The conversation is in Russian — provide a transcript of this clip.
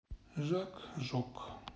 жак жок